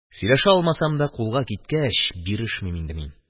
Сөйләшә алмасам да, кулга киткәч бирешмим инде мин.